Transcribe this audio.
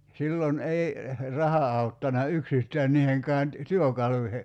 silloin ei raha auttanut yksistään niihinkään - työkaluihin